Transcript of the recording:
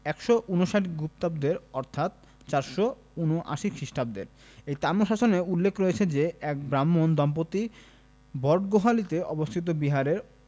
১৫৯ গুপ্তাব্দের অর্থাৎ ৪৭৯ খ্রিস্টাব্দের এই তাম্রশাসনে উল্লেখ রয়েছে যে এক ব্রাহ্মণ দম্পতি বটগোহালীতে অবস্থিত বিহারে